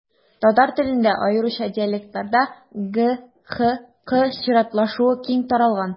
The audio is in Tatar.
Татар телендә, аеруча диалектларда, г-х-к чиратлашуы киң таралган.